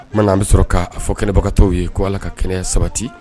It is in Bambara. O mana an bɛ sɔrɔ k'a fɔ kɛnɛbagatɔw ye ko ala ka kɛnɛya sabati